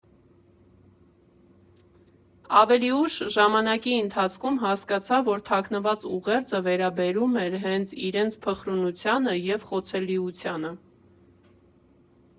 Ավելի ուշ, ժամանակի ընթացքում, հասկացա, որ թաքնված ուղերձը վերաբերում էր հենց իրենց փխրունությանը և խոցելիությանը։